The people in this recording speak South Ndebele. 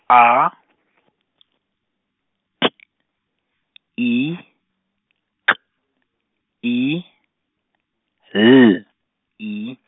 A , T, I, K, I, L, I.